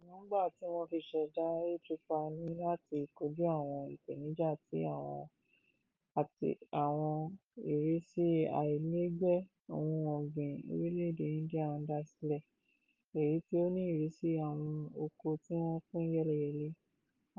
Èróńgbà tí wọ́n fi ṣẹ̀dá e Choupal ni láti kojú àwọn ìpèníjà tí àwọn ìrísí àìlẹ́gbẹ́ ohun ọ̀gbìn orílẹ̀ èdè India ń dá sílẹ̀, èyí tí ó ní ìrísí àwọn oko tí wọ́n pín yẹ́lẹyẹ̀lẹ,